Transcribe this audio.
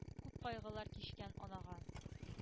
Күп кайгылар кичкән анага.